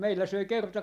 meillä söi kerta